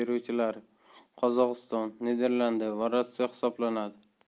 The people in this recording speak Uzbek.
beruvchilari qozog'iston niderlandiya va rossiya hisoblanadi